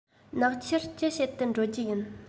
ནག ཆུར ཅི བྱེད དུ འགྲོ རྒྱུ ཡིན